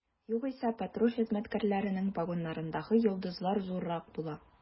Югыйсә, патруль хезмәткәрләренең погоннарындагы йолдызлар зуррак була.